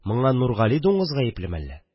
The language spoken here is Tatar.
Моңа Нургали дуңгыз гаеплеме әллә